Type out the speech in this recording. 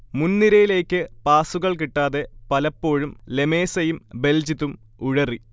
മുൻനിരയിലേക്ക് പാസുകൾ കിട്ടാതെ പലപ്പോഴും ലെമേസയും ബൽജിതും ഉഴറി